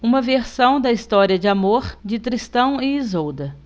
uma versão da história de amor de tristão e isolda